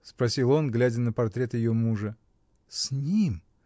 — спросил он, глядя на портрет ее мужа. — С ним!